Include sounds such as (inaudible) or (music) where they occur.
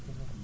(hesitation) (hesitation)